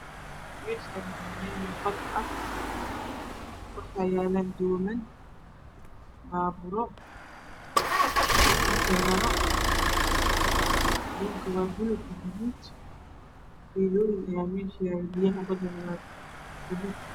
Meeshani waa meel bad ah waxaa yaalo dooman baabuuro iyo kanteero fiilooyiin aaya mesha yaalo